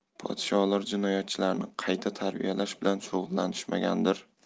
podsholar jinoyatchilarni qayta tarbiyalash bilan shug'ullanishmagandir